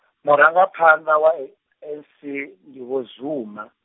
murangaphanḓa wa ANC ndi vho Zuma.